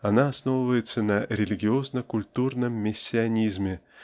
она основывается на религиозно-культурном мессианизме